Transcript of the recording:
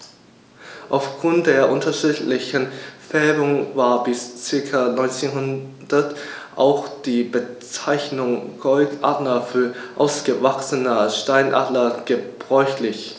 Auf Grund der unterschiedlichen Färbung war bis ca. 1900 auch die Bezeichnung Goldadler für ausgewachsene Steinadler gebräuchlich.